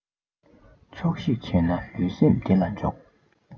ཆོག ཤེས བྱས ན ལུས སེམས བདེ ལ འཇོག